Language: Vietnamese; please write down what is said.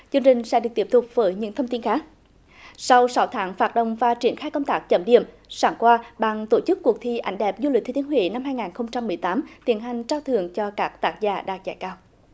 chương trình sẽ được tiếp tục với những thông tin khác sau sáu tháng phát động và triển khai công tác chấm điểm sáng qua ban tổ chức cuộc thi ảnh đẹp du lịch thừa thiên huế năm hai ngàn không trăm mười tám tiến hành trao thưởng cho các tác giả đạt giải cao